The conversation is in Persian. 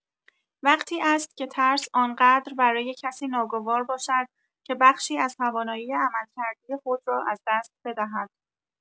وقتی است که ترس آن‌قدر برای کسی ناگوار باشد که بخشی از توانایی عملکردی خود را از دست بدهد.